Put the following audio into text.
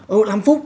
ồ làm phúc